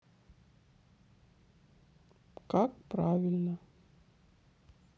как правильно